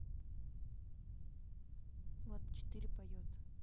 влад а четыре поет